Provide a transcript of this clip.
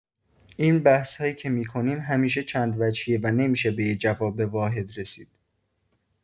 این بحثایی که می‌کنیم همیشه چندوجهیه و نمی‌شه به یه جواب واحد رسید.